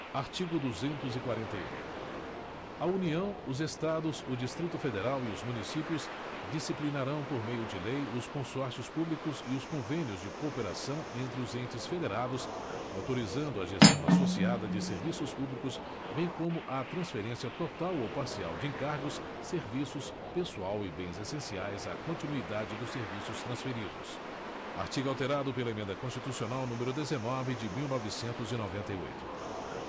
artigo duzentos e quarenta e um a união os estados o distrito federal e os municípios disciplinarão por meio de lei os consórcios públicos e os convênios de cooperação entre os entes federados autorizando a gestão associada de serviços públicos bem como a transferência total ou parcial de encargos serviços pessoal e bens essenciais à continuidade dos serviços transferidos artigo alterado pela emenda constitucional número dezenove de mil novecentos e noventa e oito